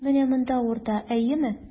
Менә монда авырта, әйеме?